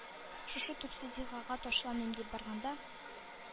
Шушы төпсез елгага ташланыйм дип барганда,